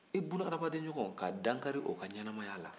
i bunahadamaden ɲɔgɔn ka dankari o ka ɲɛnamaya la